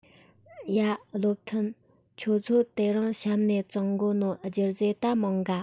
ཡ བློ མཐུན ཁྱོད ཚོ དེ རིང བཤམས མས བཙོང གོ ནོ རྒྱུ རྫས ད མང ག